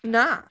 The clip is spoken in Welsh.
Na.